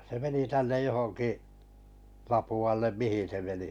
se meni tänne johonkin Lapualle mihin se meni